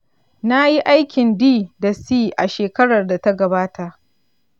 na yi aikin d da c a shekarar da ta gabata.